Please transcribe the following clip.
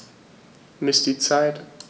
Miss die Zeit.